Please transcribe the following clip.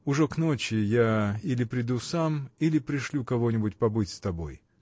Ужо к ночи я или приду сам, или пришлю кого-нибудь побыть с тобой.